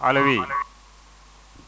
allo oui